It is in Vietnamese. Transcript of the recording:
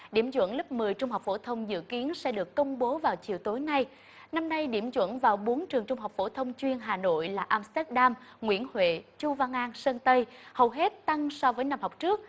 điểm chuẩn lớp mười trung học phổ thông dự kiến sẽ được công bố vào chiều tối nay năm nay điểm chuẩn vào bốn trường trung học phổ thông chuyên hà nội là am sờ téch đam nguyễn huệ chu văn an sơn tây hầu hết tăng so với năm học trước